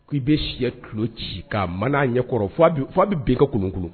K ko ii bɛ si tulo ci kan a ma n'a ɲɛ kɔrɔ f fo a bɛ bɛn kulukulu